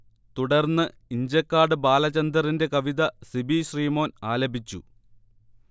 തുടർന്ന് ഇഞ്ചക്കാട് ബാലചന്ദറിന്റെ കവിത സിബി ശ്രീമോൻ ആലപിച്ചു